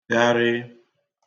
gharịị